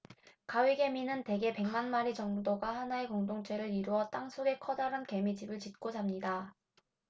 가위개미는 대개 백만 마리 정도가 하나의 공동체를 이루어 땅 속에 커다란 개미집을 짓고 삽니다